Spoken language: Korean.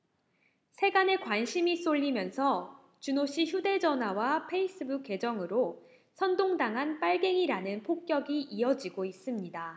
세간의 관심이 쏠리면서 준호씨 휴대전화와 페이스북 계정으로 선동 당한 빨갱이라는 폭격이 이어지고 있습니다